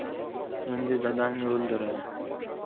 endi dadang o'ldiradi